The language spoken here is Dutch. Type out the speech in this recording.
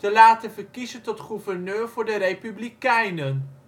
laten verkiezen tot gouverneur voor de republikeinen